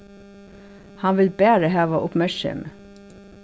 hann vil bara hava uppmerksemi